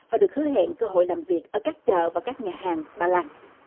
và được hứa hẹn cơ hội làm việc ở các chợ và các nhà hàng ba lan